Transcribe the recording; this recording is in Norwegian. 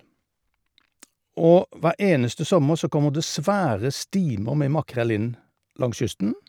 Og hver eneste sommer så kommer det svære stimer med makrell inn langs kysten.